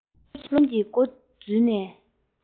སློབ ཆེན གྱི སྒོ ནས འཛུལ